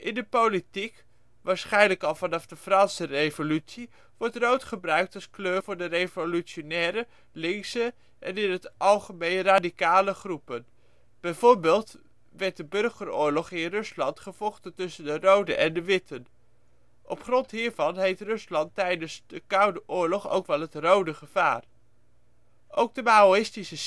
de politiek, waarschijnlijk al vanaf de Franse Revolutie wordt rood gebruikt als kleur van de revolutionaire, linkse en in het algemeen radicale groepen. Bijvoorbeeld werd de burgeroorlog in Rusland gevochten tussen de roden en de witten. Op grond hiervan heette Rusland tijdens de Koude Oorlog ook wel het rode gevaar. Ook het maoïstische China